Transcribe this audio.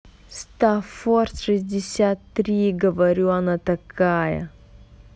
staffорд шестьдесят три говорю она такая